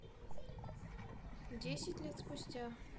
десять лет спустя